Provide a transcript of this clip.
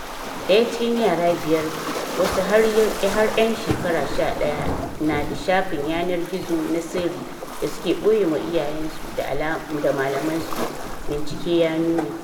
Daya cikin yara biyar - wasu har yan shekara 11 - na da shafin yanar gizo na sirri da suke boyema iyayen su da malaman su, bincike ya nuna